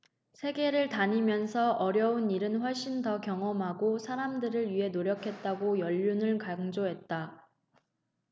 세계를 다니면서 어려운 일을 훨씬 더 경험하고 사람들을 위해 노력했다고 연륜을 강조했다